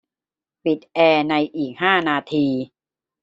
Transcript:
ปิดแอร์ในอีกห้านาที